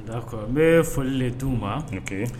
' n bɛ foli de' u ma